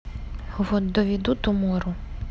вот доведут умору